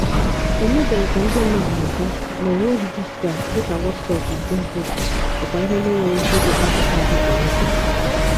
Emebeghị ka ndị mmadụ mụta na ọwa ozi dijitalụ dị ka Wọsọpụ na Fezbuk bụkwa ihe ndị nwere ike ibute akụkọ adịgboroja.